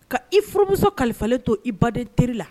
Ka i furumuso kalifalen to i baden teri la